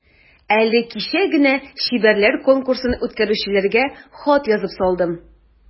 Әле кичә генә чибәрләр конкурсын үткәрүчеләргә хат язып салдым.